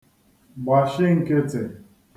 gbàshi n̄kị̄tị̀